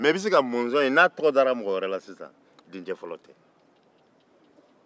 mɛ i bɛ se ka mɔzɔn ye n'a tɔgɔ dara mɔgɔ wɛrɛ la dencɛ fɔlɔ tɛ